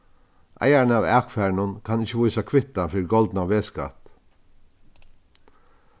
eigarin av akfarinum kann ikki vísa kvittan fyri goldnan vegskatt